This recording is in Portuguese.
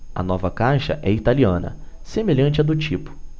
a nova caixa é italiana semelhante à do tipo